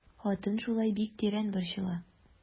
Хатын шулай дип бик тирән борчыла.